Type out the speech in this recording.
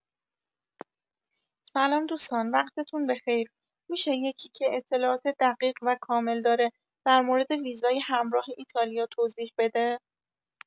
سلام دوستان وقتتون بخیر می‌شه یکی که اطلاعات دقیق و کامل داره در مورد ویزای همراه ایتالیا توضیح بده؟